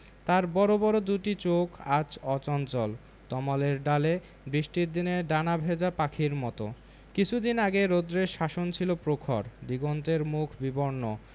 তার বড় বড় দুটি চোখ আজ অচঞ্চল তমালের ডালে বৃষ্টির দিনে ডানা ভেজা পাখির মত কিছুদিন আগে রৌদ্রের শাসন ছিল প্রখর দিগন্তের মুখ বিবর্ণ